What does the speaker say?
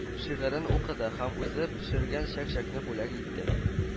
Шигырен укыды һәм үзе пешергән чәк-чәкне бүләк итте